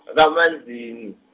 KaManzini.